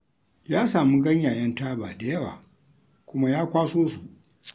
Ya sami ganyayen taba da yawa kuma ya kwaso su.